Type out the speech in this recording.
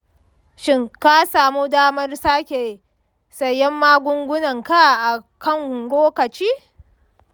shin ka samu damar sake sayen magungunanka a kan lokaci?